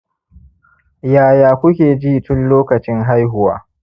yaya kuke ji tun lokaci haihuwa